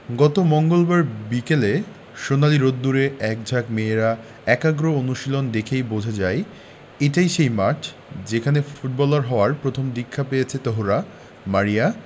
গত মঙ্গলবার বিকেলে সোনালি রোদ্দুরে একঝাঁক মেয়ের একাগ্র অনুশীলন দেখেই বোঝা যায় এটাই সেই মাঠ যেখানে ফুটবলার হওয়ার প্রথম দীক্ষা পেয়েছে তহুরা মারিয়া